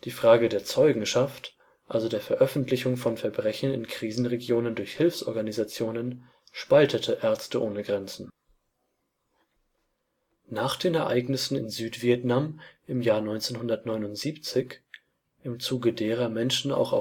Frage der Zeugenschaft, also der Veröffentlichung von Verbrechen in Krisenregionen durch Hilfsorganisationen, spaltete die MSF. Nach den Ereignissen in Südvietnam im Jahr 1979, im Zuge derer Menschen auch